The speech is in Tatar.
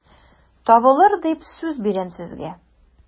Табылыр дип сүз бирәм сезгә...